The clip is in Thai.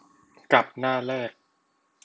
กลับหน้าแรก